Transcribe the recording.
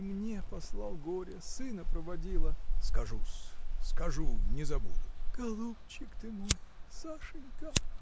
и мне послал горе – сына проводила. – Скажу-с, скажу, не забуду. – Голубчик ты мой, Сашенька!